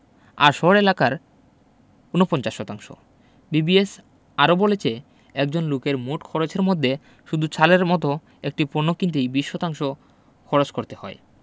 আর শহর এলাকায় ৪৯ শতাংশ বিবিএস আরও বলছে একজন লোকের মোট খরচের মধ্যে শুধু চালের মতো একটি পণ্য কিনতেই ২০ শতাংশ খরচ করতে হয়